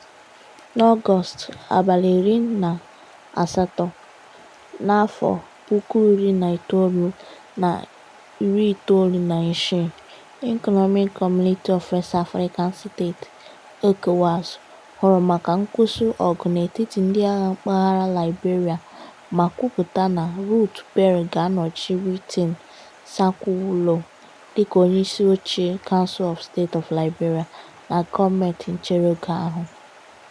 N'Ọgọọst 18, 1996, Economic Community of West African States (ECOWAS) hụrụ maka nkwụsị ọgụ n'etiti ndịagha mpaghara Liberia ma kwupụta na Ruth Perry ga-anọchi Wilton Sankawulo dịka Onyeisioche Council of State of Liberia na gọọmentị nchereoge ahụ.